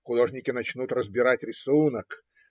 Художники начнут разбирать рисунок.